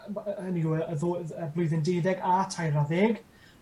yym by- hynny yw y y ddo- y blwyddyn deuddeg a tair ar ddeg.